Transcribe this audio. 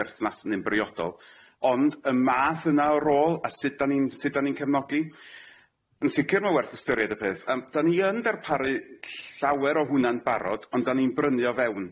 berthnas neu'n briodol ond y math yna o rôl a sud dan ni'n sud dan ni'n cefnogi yn sicir ma' werth ystyried y peth yym dan ni yn darparu ll- llawer o hwna'n barod ond da ni'n brynu o fewn.